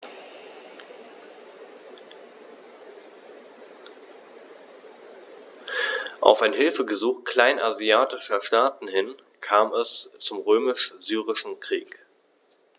Auf ein Hilfegesuch kleinasiatischer Staaten hin kam es zum Römisch-Syrischen Krieg.